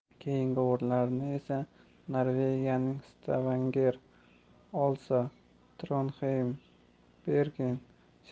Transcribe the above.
keyingi o'rinlarni esa norvegiyaning stavanger oslo tronxeym